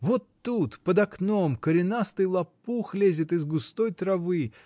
Вот тут, под окном, коренастый лопух лезет из густой травы